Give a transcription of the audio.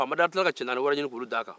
faama da tilala ka cɛ naani ɲini k'olu d'a kan